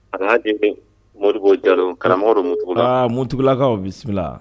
A'a den mori jalo karamɔgɔ mu mougulakaw bisimila bisimila